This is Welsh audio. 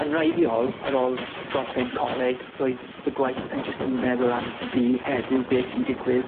Yn wreiddiol ar ôl gorffen coleg roedd fy gwaith yn jyst yn meddwl am fi heddiw be sy'n digwydd.